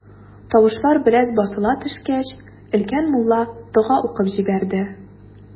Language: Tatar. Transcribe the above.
Тавышлар бераз басыла төшкәч, өлкән мулла дога укып җибәрде.